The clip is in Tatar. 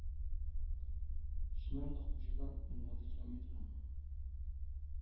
Чыннан да хуҗадан уңмадыкилометры